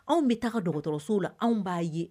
Anw bɛ taa dɔgɔtɔrɔsow la anw b'a ye